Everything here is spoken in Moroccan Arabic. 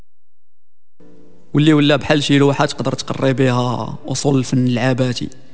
والله ولا بحل شيء روح افطر تقريبها اصلي في العبادي